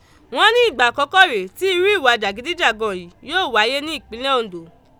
Wọ́n ní ìgbà àkọ́kọ́ rèé tí irú ìwà jàgídíjàgan yìí yóò wáyé ní ìpínlẹ̀ Oǹdó.